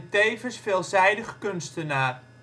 tevens veelzijdig kunstenaar